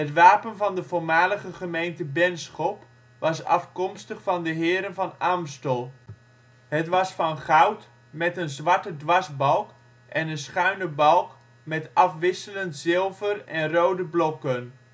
wapen van de voormalige gemeente Benschop was afkomstig van de heren van Aemstel. Het was van goud met een zwarte dwarsbalk en een schuine balk met afwisselend zilver en rode blokken